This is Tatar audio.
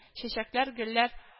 — чәчәкләр, гөлләр